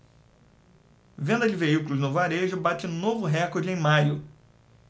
venda de veículos no varejo bate novo recorde em maio